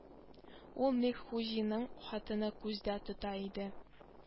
Ул мирхуҗинның хатынын күздә тота иде